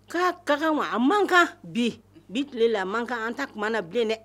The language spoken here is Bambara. K'a ka kan wa? a man kan bi, bi tilela a man kan, an t'a tuma na bilen dɛ